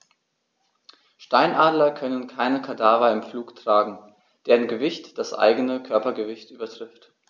Steinadler können keine Kadaver im Flug tragen, deren Gewicht das eigene Körpergewicht übertrifft.